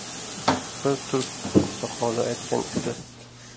bir turk oqsoqoli aytgan edi